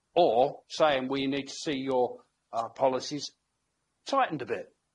Or saying we need to see your uh policies tightened a bit.